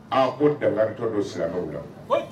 A ko tɛgatɔ don sirakaw la